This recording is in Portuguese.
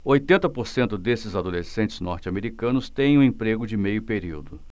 oitenta por cento desses adolescentes norte-americanos têm um emprego de meio período